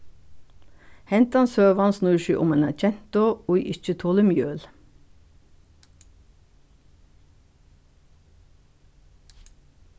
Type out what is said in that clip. hendan søgan snýr seg um eina gentu ið ikki tolir mjøl